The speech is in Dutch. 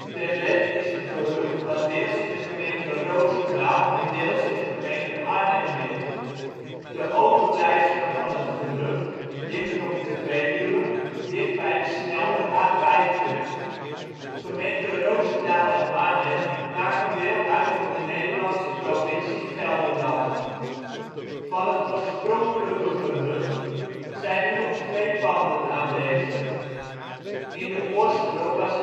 Terlet is een gehucht dat deels in de gemeente Rozendaal en deels in de gemeente Arnhem ligt. De overblijfselen van het gehucht ligt op de Veluwe dichtbij de snelweg A50. Gemeente Rozendaal en Arnhem maken deel uit van de Nederlandse provincie Gelderland. Van het oorspronkelijke gehucht, zijn nu nog twee panden aanwezig. In de oorsprong was